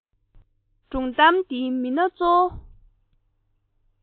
སྒྲུང གཏམ འདིའི མི སྣ གཙོ བོ